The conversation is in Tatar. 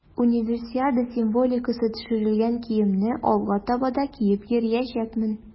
Универсиада символикасы төшерелгән киемне алга таба да киеп йөриячәкмен.